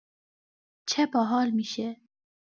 چه باحال می‌شه.